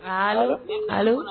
Aa kalo